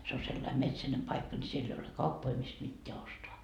se on sellainen metsäinen paikka niin siellä ei ole kauppoja mistä mitään ostaa